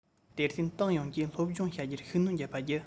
དེར བརྟེན ཏང ཡོངས ཀྱིས སློབ སྦྱོང བྱ རྒྱུར ཤུགས སྣོན བརྒྱབ པ བརྒྱུད